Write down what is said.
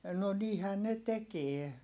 no niinhän ne tekee